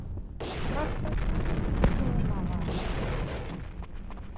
как подарок придумала